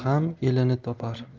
ham elini topar